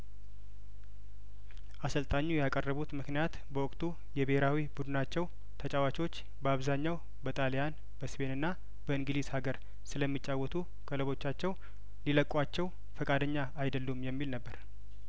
አሰልጣኙ ያቀረቡትምክንያት በወቅቱ የብሄራዊ ቡድ ናቸው ተጫዋቾች በአብዛኛው በጣልያን በስፔንና በእንግሊዝ ሀገር ስለሚ ጫወቱ ክለቦቻቸው ሊለቋቸው ፍቃደኛ አይደሉም የሚል ነበር